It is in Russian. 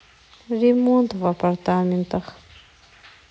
ремонт в апартаментах